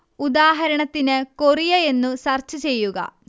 ഉദാഹരണത്തിന് കൊറിയ എന്നു സെർച്ച് ചെയ്യുക